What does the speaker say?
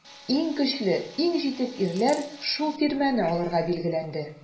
Иң көчле, иң җитез ирләр шул тирмәне алырга билгеләнде.